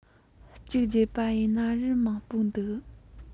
གཅིག རྒྱབ པ ཡིན ན རུ མང པོ འདུག